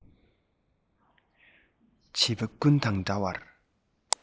བྱིས པ ཀུན དང འདྲ བར